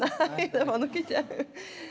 nei det var nok ikke det.